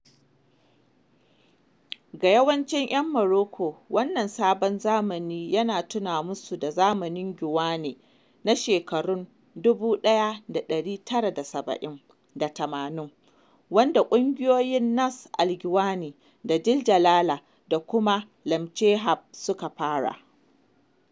Ga yawancin 'yan Moroko, wannan sabon zamani yana tuna musu da zamanin Ghiwane na shekarun 1970 da 80, wanda ƙungiyoyin Nass El Ghiwane da Jil Jilala da kuma Lemchaheb suka fara.